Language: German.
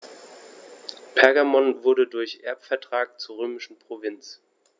Pergamon wurde durch Erbvertrag zur römischen Provinz.